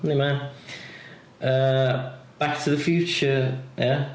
Yndi mae o yy Back to the Future, ia?